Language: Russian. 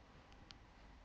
даник курносики раскопки